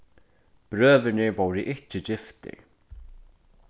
brøðurnir vóru ikki giftir